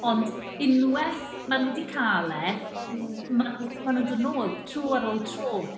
Ond unwaith maen nhw 'di cael e, maen nhw maen nhw'n dod nôl tro ar ôl tro.